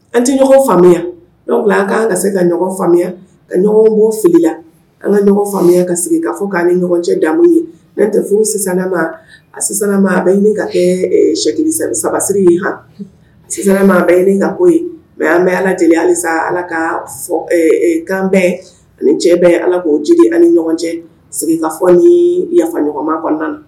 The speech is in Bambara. An tɛ ɲɔgɔn faamuya dɔw an kanan ka se ka ɲɔgɔn faamuya ka ɲɔgɔn'o fili la an ka ɲɔgɔn faamuya ka sigi k kaa fɔ k'an ni ɲɔgɔn cɛ da ye nan tɛ furu sisanma a sisanma bɛ ɲini ka kɛ sɛ sabasiri ye h sisanma bɛ ɲini ka koo ye mɛ an bɛ ala halisa ala ka kan bɛɛ ani cɛ bɛɛ ala k'o jeli ani ɲɔgɔn cɛ sigi ka fɔ ni yafa ɲɔgɔnma kɔnɔna